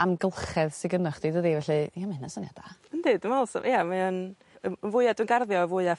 amgylchedd sy gynnoch chdi dydi felly ie ma' hynna syniad da. Yndi dwi me'wl s- ie mae yn yym y fwya dwi garddio y fwya